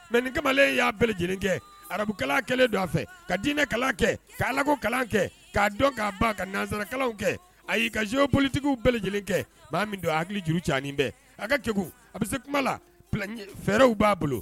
Mɛ nin kamalenle y'a bɛɛ lajɛlen kɛ arabukala kɛlen don a fɛ ka diinɛ kalan kɛ kako kalan kɛ k'a dɔn k'a ban ka nanzrakakaw kɛ a y'i ka szyo politigiw bɛɛ lajɛlen kɛ' min don hakili juru ca bɛɛ a ka kɛ a bɛ se kuma la fɛɛrɛw b'a bolo